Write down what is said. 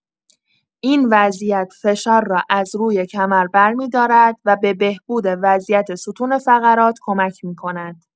این وضعیت فشار را از روی کمر برمی‌دارد و به بهبود وضعیت ستون فقرات کمک می‌کند.